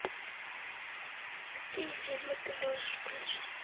какие фильмы ты можешь включить